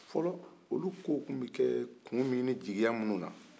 fɔlɔ olu kow tun bi kɛ kun min ni jigiya min na